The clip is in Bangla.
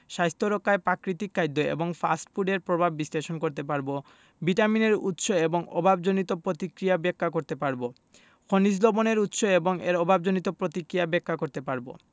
স্বাস্থ্য রক্ষায় পাকৃতিক খাদ্য এবং ফাস্ট ফুডের প্রভাব বিশ্লেষণ করতে পারব ভিটামিনের উৎস এবং এর অভাবজনিত পতিক্রিয়া ব্যাখ্যা করতে পারব খনিজ লবণের উৎস এবং এর অভাবজনিত প্রতিক্রিয়া ব্যাখ্যা করতে পারব